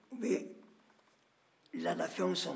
u bɛ laadafɛnw sɔn